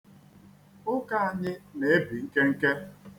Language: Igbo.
Ụka anyị na-ebị nkenke.